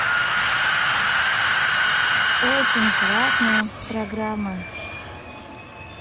очень классная программа